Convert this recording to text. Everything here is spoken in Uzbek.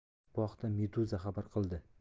bu haqda meduza xabar qildi